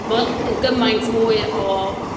Mae o yn gymaint mwy o...